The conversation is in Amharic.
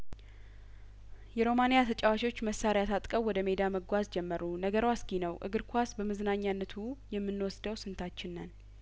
የሮማን ያተጫዋቾች መሳሪያ ታጥቀው ወደ ሜዳ መጓዝ ጀመሩ ነገሩ አስጊ ነው እግር ኳስ በመዝናኛነቱ የምንወስደው ስንታችን ነን